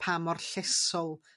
pa mor llesol